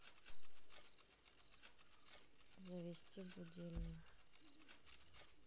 завести будильник